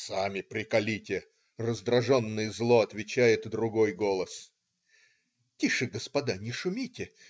"Сами приколите!" - раздраженно и зло отвечает другой голос. "Тише, господа, не шумите!